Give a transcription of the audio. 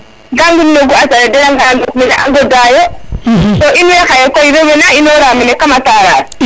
ga ŋum nogu a sareet den a ngara ndok mene a ŋoda yo to in way xaye koy rewe na inora mene kama Sarare